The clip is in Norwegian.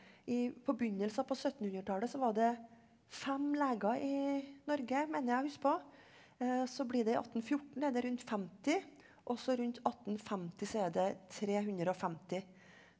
i på begynnelsen på syttenhundretallet så var det fem leger i Norge mener jeg å huske på så blir det i 1814 er det rundt 50 og så rundt 1850 så er det tre hundre og femti.